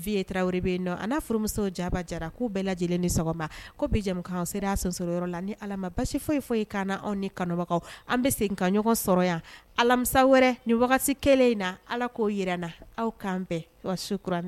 Vye taraweley bɛ in nɔ a' furumusow jaba jara k'u bɛɛ lajɛlen ni sɔgɔma ko jamana sera'soyɔrɔ la ni ala ma basi foyi fɔ ka anw ni kanubagaw an bɛ se ka ɲɔgɔn sɔrɔ yan alamisa wɛrɛ nisi kɛlen in na ala k'o jira na aw'an bɛɛ